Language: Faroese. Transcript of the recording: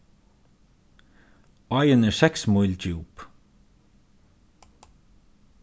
áin er seks míl djúp